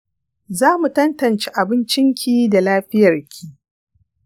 za mu tantance abincinki da lafiyarki.